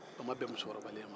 a ma bɛ musokɔrɔbalen ma